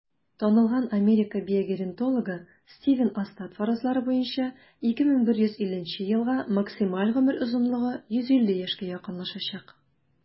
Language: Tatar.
Танылган Америка биогеронтологы Стивен Остад фаразлары буенча, 2150 елга максималь гомер озынлыгы 150 яшькә якынлашачак.